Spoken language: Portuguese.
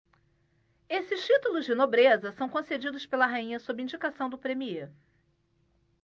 esses títulos de nobreza são concedidos pela rainha sob indicação do premiê